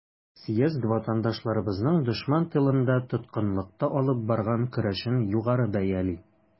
Съезд ватандашларыбызның дошман тылында, тоткынлыкта алып барган көрәшен югары бәяли.